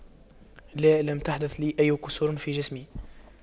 لا لم تحدث لي أي كسور في جسمي